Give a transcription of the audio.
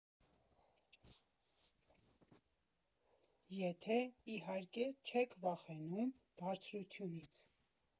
Եթե, իհարկե, չեք վախենում բարձրությունից։